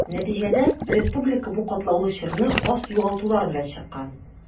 Нәтиҗәдә республика бу катлаулы чорны аз югалтулар белән чыккан.